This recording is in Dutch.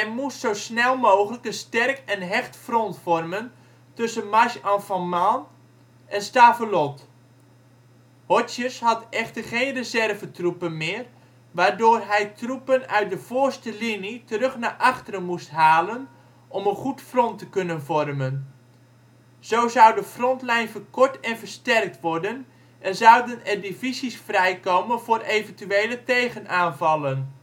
moest zo snel mogelijk een sterk en hecht front vormen tussen Marche-en-Famenne en Stavelot. Hodges had echter geen reservetroepen meer, waardoor hij troepen uit de voorste linie terug naar achteren moest halen om een goed front te kunnen vormen. Zo zou de frontlijn verkort en versterkt worden en zouden er divisies vrijkomen voor eventuele tegenaanvallen